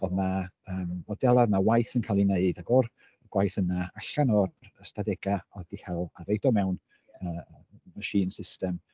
Oedd 'na yym modelau oedd 'na waith yn cael ei wneud ac o'r gwaith yna allan o'r ystadegau oedd 'di hel a roid o mewn yy machine system